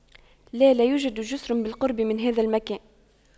لا لا يوجد جسر بالقرب من هذا المكان